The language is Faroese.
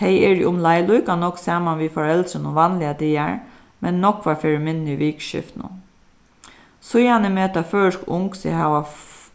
tey eru umleið líka nógv saman við foreldrunum vanligar dagar men nógvar ferðir minni í vikuskiftinum síðani meta føroysk ung seg hava